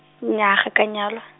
nnyaa ga ka a nyalwa.